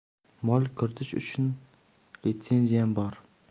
mol kiritish uchun litsenziyam bor